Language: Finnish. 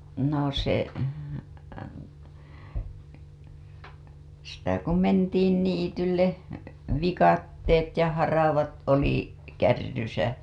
no se sitä kun mentiin niitylle viikatteet ja haravat oli kärryssä